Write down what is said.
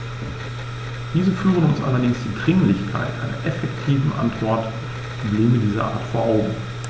Diese führen uns allerdings die Dringlichkeit einer effektiven Antwort auf Probleme dieser Art vor Augen.